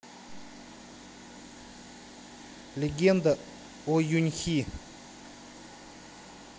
легенда о юньхи